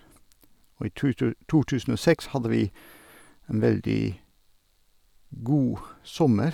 Og i tu tu to tusen og seks hadde vi en veldig god sommer.